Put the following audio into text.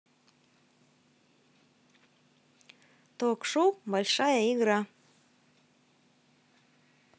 ток шоу большая игра